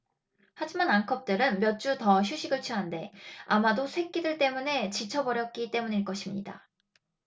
하지만 암컷들은 몇 주 더 휴식을 취하는데 아마도 새끼들 때문에 지쳐 버렸기 때문일 것입니다